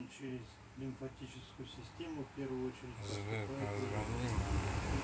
сбер позвони маме